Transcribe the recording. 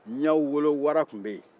n y'aw wolo wara tun bɛ yen